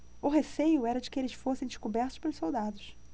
o receio era de que eles fossem descobertos pelos soldados